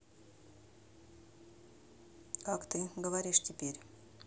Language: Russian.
как ты говоришь теперь